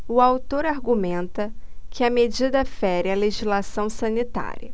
o autor argumenta que a medida fere a legislação sanitária